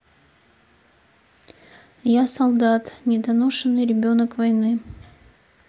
я солдат недоношенный ребенок войны